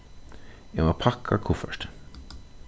eg má pakka kuffertið